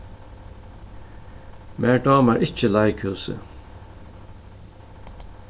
mær dámar ikki leikhúsið